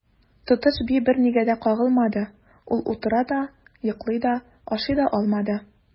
Тотыш би бернигә дә кагылмады, ул утыра да, йоклый да, ашый да алмады.